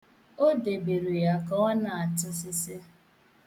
O debere ya ka ọ na-atụsịsị.